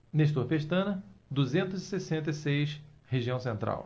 nestor pestana duzentos e sessenta e seis região central